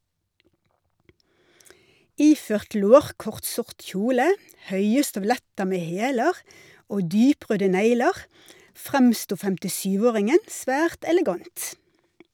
Iført lårkort sort kjole, høye støvletter med hæler og dyprøde negler fremsto 57-åringen svært elegant.